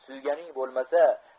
suyganing bo'lmasa